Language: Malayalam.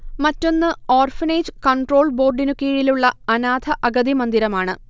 മറ്റൊന്ന് ഓർഫനേജ് കൺട്രോൾ ബോർഡിനു കീഴിലുള്ള അനാഥ അഗതി മന്ദിരമാണ്